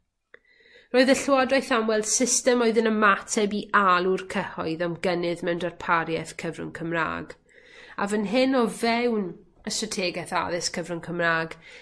Roedd y llywodraeth am weld system oedd yn ymateb i alw'r cyhoedd am gynydd mewn darparieth cyfrwng Cymra'g a fyn hyn o fewn y strategeth addysg cyfrwng Cymra'g